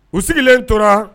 U sigilen toraa